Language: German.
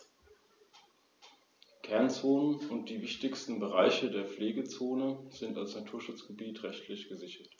Im Ersten Punischen Krieg brach Rom die Vereinbarung mit Karthago über die Aufteilung der Interessenzonen auf Sizilien und dehnte seinen Einflussbereich bis an die Grenze des karthagischen Machtbereichs aus.